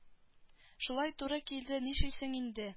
Шулай туры килде нишлисең инде